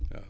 waaw